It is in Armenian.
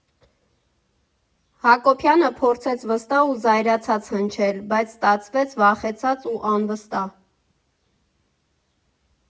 ֊ Հակոբյանը փորձեց վստահ ու զայրացած հնչել, բայց ստացվեց վախեցած ու անվստահ։